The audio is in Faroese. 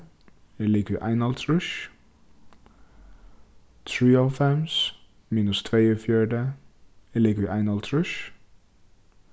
er ligvið einoghálvtrýss trýoghálvfems minus tveyogfjøruti er ligvið einoghálvtrýss